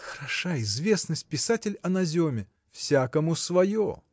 – Хороша известность: писатель о наземе. – Всякому свое